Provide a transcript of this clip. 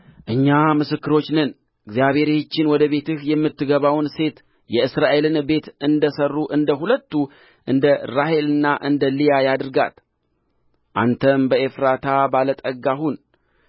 እኛ ምስክሮች ነን እግዚአብሔር ይህችን ወደ ቤትህ የምትገባውን ሴት የእስራኤልን ቤት እንደ ሠሩ እንደ ሁለቱ እንደ ራሔልና እንደ ልያ ያድርጋት አንተም በኤፍራታ ባለ ጠጋ ሁን